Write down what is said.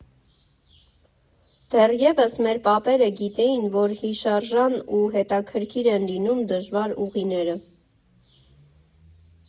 Դեռևս մեր պապերը գիտեին, որ հիշարժան ու հետաքրքիր են լինում դժվար ուղիները։